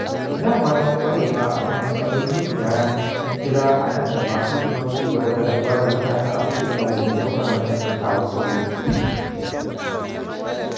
Ina fatan ƙwarewa a kan mas'alolin gudun hijira a nan gaba da kuma ci gaba da haɗuwa da matasa a ko'ina domin ɗaukar matakin kawo sauyi.